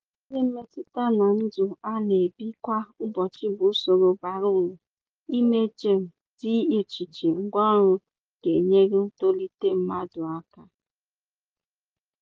I nwere mmetụta na ndụ a na-ebi kwa ụbọchị bụ usoro bara uru ime gem dị icheiche ngwaọrụ ga-enyere ntolite mmadụ aka.